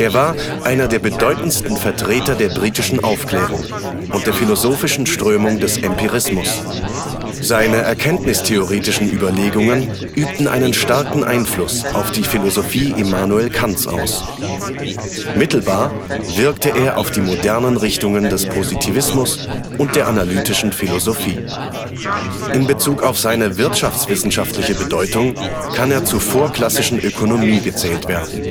war einer der bedeutendsten Vertreter der britischen Aufklärung und der philosophischen Strömung des Empirismus. Seine erkenntnistheoretischen Überlegungen übten einen starken Einfluss auf die Philosophie Immanuel Kants aus. Mittelbar wirkte er auf die modernen Richtungen des Positivismus und der Analytischen Philosophie. In Bezug auf seine wirtschaftswissenschaftliche Bedeutung kann er zur vorklassischen Ökonomie gezählt werden